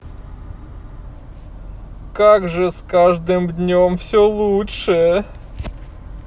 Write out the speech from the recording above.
как же с каждым днем все лучше